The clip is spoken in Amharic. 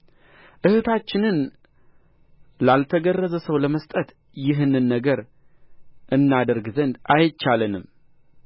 እኅታችንን ላልተገረዘ ሰው ለመስጠት ይህንን ነገር እናደርግ ዘንድ አይቻለንም